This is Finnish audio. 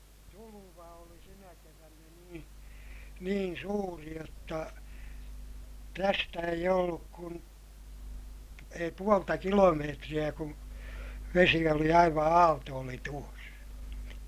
tulva oli kyllä tuota niin niin suuri jotta tästä ei ollut kuin ei puolta kilometriä kun vesi oli aivan aaltoili tuossa